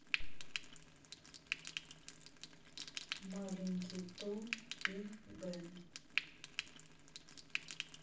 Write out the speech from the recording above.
маленький том и бен